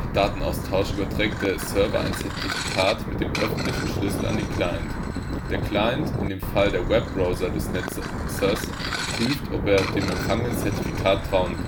Web-Datenaustausch überträgt der Server sein Zertifikat mit dem öffentlichen Schlüssel an den Client. Der Client, in dem Fall der Webbrowser des Nutzers, prüft, ob er dem empfangenen Zertifikat trauen